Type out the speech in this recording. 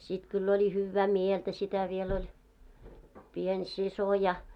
sitten kyllä oli hyvää mieltä sitä vielä oli pieni sisko ja